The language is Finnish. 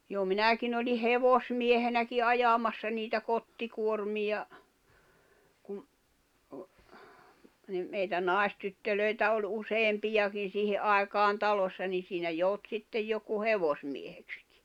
jo minäkin olin hevosmiehenäkin ajamassa niitä kottikuormia kun niin meitä naistyttöjä oli useampiakin siihen aikaan talossa niin siinä joutui sitten joku hevosmieheksikin